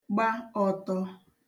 gba ọ̄tọ̄